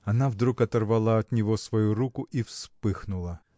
Она вдруг оторвала от него свою руку и вспыхнула.